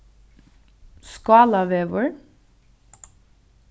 skálavegur